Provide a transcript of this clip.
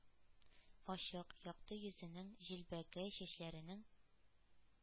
Ачык, якты йөзенең, җилбәгәй чәчләренең,